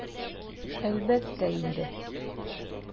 Әлбәттә инде!